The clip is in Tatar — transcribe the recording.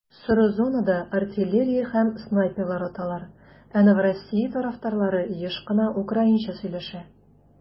Соры зонада артиллерия һәм снайперлар аталар, ә Новороссия тарафтарлары еш кына украинча сөйләшә.